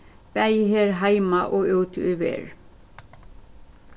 bæði her heima og úti í verð